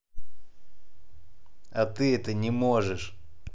а ты это не можешь